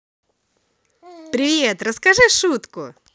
привет расскажи шутку